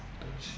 mu toj